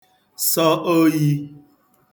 sọ oyī